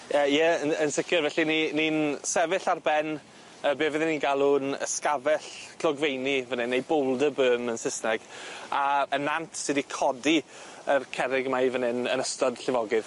Yy ie yn yn sicir felly ni ni'n sefyll ar ben yy be' fyddwn ni'n galw'n ysgafell clogfeini fyn 'yn neu boulder berm yn Sysneg a y nant sy' 'di codi yr cerrig yma i fyn 'yn yn ystod llifogydd.